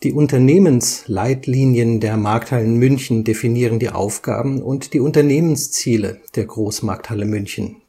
Unternehmensleitlinien der Markthallen München definieren die Aufgaben und die Unternehmensziele der Großmarkthalle München